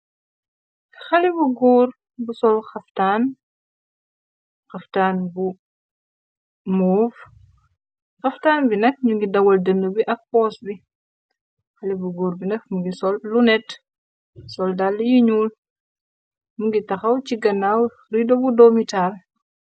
Xalibu góor bu sol xaftaan bu moov. xaftaan bi nak ñu ngi dawal dën bi ak pos bi xali bu góor bi nax mu ngi sol lu net sol dal yi ñuul mu ngi taxaw ci ganaaw rideobu doomitaar.